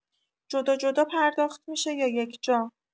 جدا جدا پرداخت می‌شه یا یکجا؟